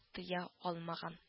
Тыя алмаган